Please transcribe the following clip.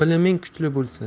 biliming kuchli bo'lsin